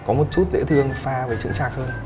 có một chút dễ thương pha với chững chạc hơn